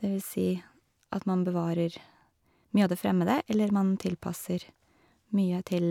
Det vil si at man bevarer mye av det fremmede, eller man tilpasser mye til